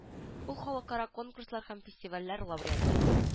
Ул халыкара конкурслар һәм фестивальләр лауреаты